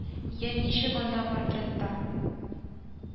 Я ничек анда портретта